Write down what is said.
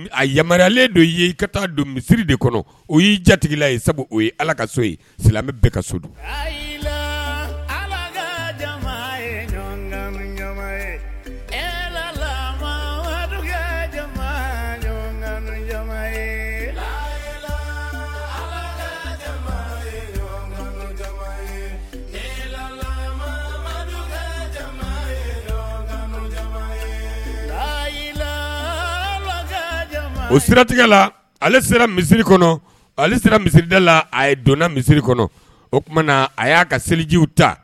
A yamaruyalen dɔ y ye ka taa don misisiriri de kɔnɔ o y'i jatigila ye sabu o ye ala ka so ye silamɛ ka so don o siratigɛla ale sera misiri ale sera misida la a ye donna misisiriri kɔnɔ o tumaumana na a y'a ka selijiw ta